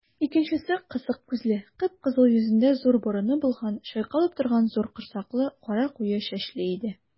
Икенчесе кысык күзле, кып-кызыл йөзендә зур борыны булган, чайкалып торган зур корсаклы, кара куе чәчле иде.